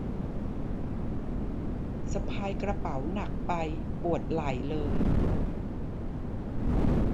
สะพายกระเป๋าหนักไปปวดไหล่เลย